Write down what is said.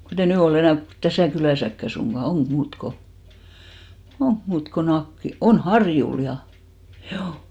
kun ei nyt ole enää kuin tässä kylässäkään suinkaan onko muuta kuin onko muuta kuin - on Harjulla ja juu